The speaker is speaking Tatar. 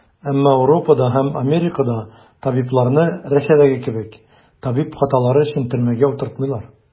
Әмма Ауропада һәм Америкада табибларны, Рәсәйдәге кебек, табиб хаталары өчен төрмәгә утыртмыйлар.